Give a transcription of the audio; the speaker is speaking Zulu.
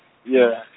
ye-.